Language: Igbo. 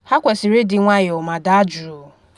Ha kwesịrị ịdị nwayọọ ma daa jụụ.”